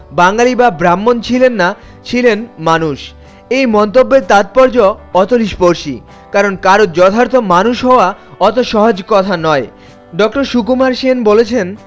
বাঙালি বা ব্রাহ্মণ ছিলেন না ছিলেন মানুষ এ মন্তব্যের তাৎপর্য অতলস্পর্শী কারণ কারো যথার্থ মানুষ হওয়া অত সহজ কথা নয় ড সুকুমার সেন বলেছেন